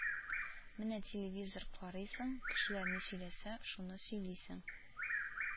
Менә телевизор карыйсың, кешеләр ни сөйләсә, шуны сөйлисең